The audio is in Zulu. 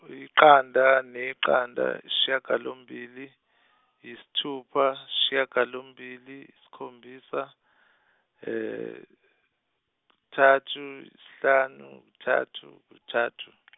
yiqanda neqanda shagalombili, yisthupha yishagalombili iskhombisa, thathu, sihlanu, thathu, kuthathu.